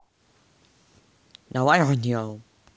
давай к делу